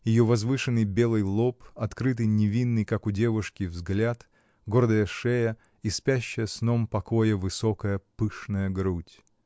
ее возвышенный белый лоб, открытый, невинный, как у девушки, взгляд, гордая шея и спящая сном покоя высокая, пышная грудь.